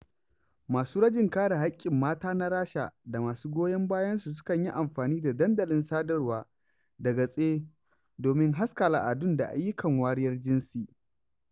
Masu rajin kare haƙƙin mata na Rasha da masu goyon bayansu sukan yi amfani da dandalin sadarwa da gatse domin haska al'adun da ayyukan wariyar jinsi.